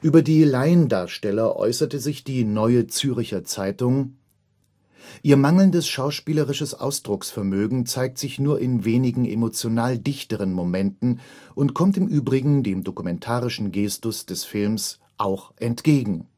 Über die Laiendarsteller äußerte sich die Neue Zürcher Zeitung: „ Ihr mangelndes schauspielerisches Ausdrucksvermögen zeigt sich nur in wenigen emotional dichteren Momenten und kommt im Übrigen dem dokumentarischen Gestus des Films auch entgegen